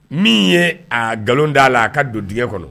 Min ye a nkalon d'a la a ka don dingɛ kɔnɔ